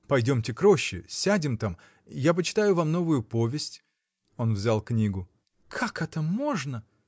— Пойдемте к роще — сядем там: я почитаю вам новую повесть. Он взял книгу. — Как это можно!